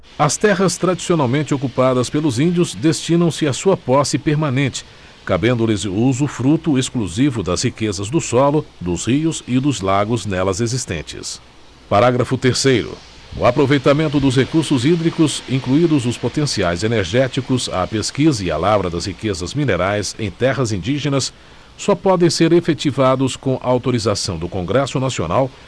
as terras tradicionalmente ocupadas pelos índios destinam se a sua posse permanente cabendo lhes o usufruto exclusivo das riquezas do solo dos rios e dos lagos nelas existentes parágrafo terceiro o aproveitamento dos recursos hídricos incluídos os potenciais energéticos a pesquisa e a lavra das riquezas minerais em terras indígenas só podem ser efetivados com autorização do congresso nacional